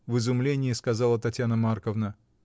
— в изумлении сказала Татьяна Марковна.